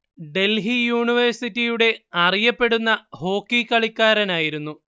ഡൽഹി യൂണിവേഴ്സിറ്റിയുടെ അറിയപ്പെടുന്ന ഹോക്കി കളിക്കാരനായിരുന്നു